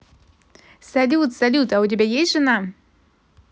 салют салют а у тебя есть жена